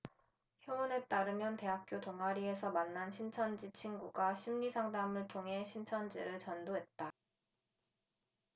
효은에 따르면 대학교 동아리에서 만난 신천지 친구가 심리상담을 통해 신천지를 전도했다